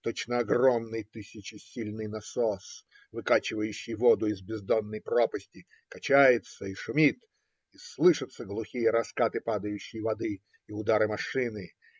Точно огромный тысячесильный насос, выкачивающий воду из бездонной пропасти, качается и шумит, и слышатся глухие раскаты падающей воды и удары машины.